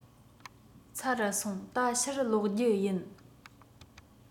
ཚར སོང ད ཕྱིར ལོག རྒྱུ ཡིན